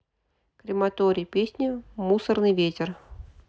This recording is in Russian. крематорий песня мусорный ветер